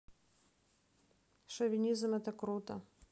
шовинизм это круто